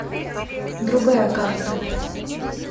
другая карта